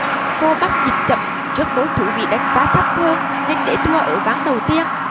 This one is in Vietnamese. cô bắt nhịp chậm trước đối thủ bị đánh giá thấp hơn nên để thua ở ván đầu tiên